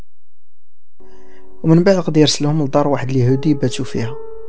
من بياخد يرسلونه باروح اليهودي بشوفها